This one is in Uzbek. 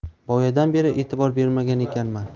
boyadan beri etibor bermagan ekanman